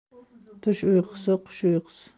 tush uyqusi qush uyqusi